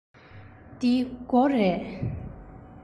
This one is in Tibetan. འདི སྒོ རེད